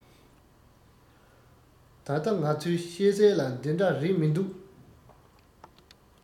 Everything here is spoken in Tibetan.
ད ལྟ ང ཚོས ཤེས གསལ ལ འདི འདྲ རེད མི འདུག